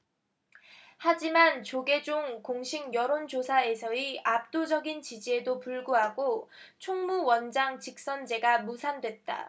하지만 조계종 공식 여론조사에서의 압도적인 지지에도 불구하고 총무원장 직선제가 무산됐다